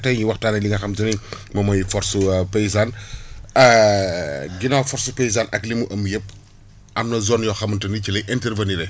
tey ñuy waxtaane li nga xam te ne moom mooy force paysane ginnaaw force paysane ak li mu ëmb yëpp am na zone yoo xamante ni ci lay intervenir